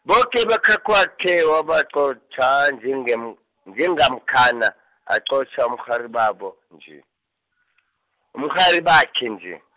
boke bekhakwakhe wabaqotjha njengemo-, njengamkhana, aqotjha umrharibabo nje, umrharibakhe nje.